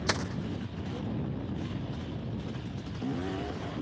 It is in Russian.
что такое биржевый тиф